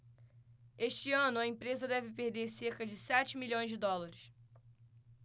este ano a empresa deve perder cerca de sete milhões de dólares